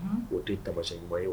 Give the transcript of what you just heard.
O tɛ ye tamaba ye